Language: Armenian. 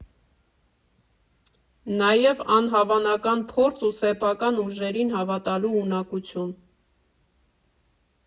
Նաև անհավանական փորձ ու սեփական ուժերին հավատալու ունակություն։